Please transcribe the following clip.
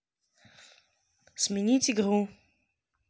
сменить игру